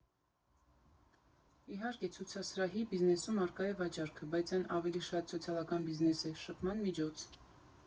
Իհարկե, ցուցասրահի բիզնեսում առկա է վաճառքը, բայց այն ավելի շատ սոցիալական բիզնես է՝ շփման միջոց։